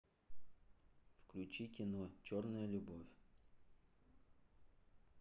включи кино черная любовь